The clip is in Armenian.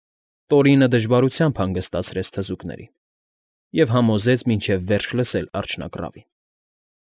Տորինը դժվարությամբ հանգստացրեց թզուկներին և համոզեց մինչև վերջ լսել արջնագռավին։